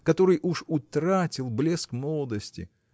который уж утратил блеск молодости.